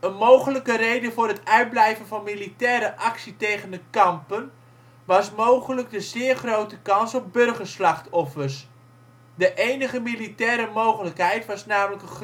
mogelijke reden voor het uitblijven van militaire actie tegen de kampen was mogelijk de zeer grote kans op burgerslachtoffers. De enige militaire mogelijkheid was namelijk